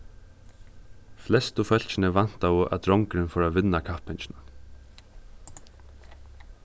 flestu fólkini væntaðu at drongurin fór at vinna kappingina